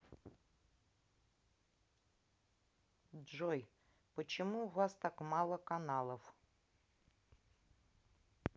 джой почему у нас так мало каналов